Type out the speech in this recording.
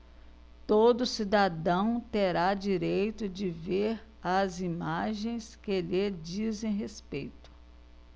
todo cidadão terá direito de ver as imagens que lhe dizem respeito